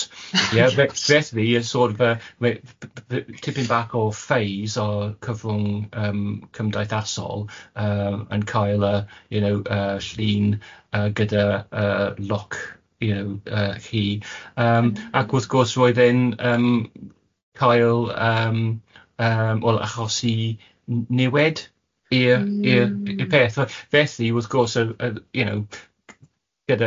Ie felly sort of yy yy mae tipyn bach o phase o'r cyfrwng yym cymdeithasol yy yn cael y you know y llun yy gyda yy lock you know yy key yym ac wrth gwrs roedd e'n yym cael yym yym wel achos i niwed i'r i'r i'r.. Mm. ...peth felly wrth gwrs yy you know gyda